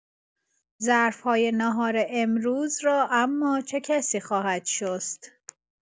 ظرف‌های ناهار امروز را اما، چه کسی خواهد شست؟